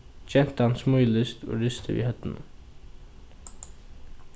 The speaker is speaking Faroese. gentan smílist og ristir við høvdinum